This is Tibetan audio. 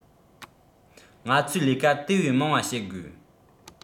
ང ཚོས ལས ཀ དེ བས མང བ བྱེད དགོས